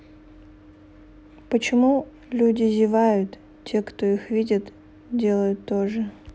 почему люди зевают те кто их видит дела тоже